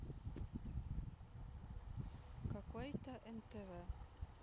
какой то нтв